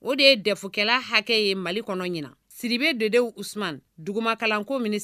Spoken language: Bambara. O de ye DEF kɛla hakɛ ye mali kɔnɔ ɲina Sidibe Dedewu Usumani duguma kalanko minis